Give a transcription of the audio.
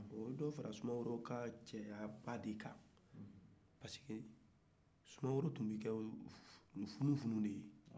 o ye do fara sumaworo ka cɛya ba de kan parce que soumaworo tun bɛ i kɛ funufunu de ye